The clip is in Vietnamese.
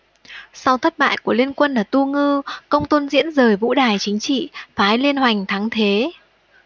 sau thất bại của liên quân ở tu ngư công tôn diễn rời vũ đài chính trị phái liên hoành thắng thế